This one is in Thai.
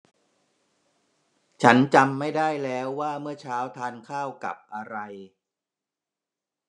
ฉันจำไม่ได้แล้วว่าเมื่อเช้าทานข้าวกับอะไร